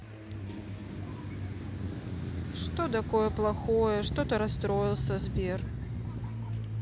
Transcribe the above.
что дакое плохое что то расстроился сбер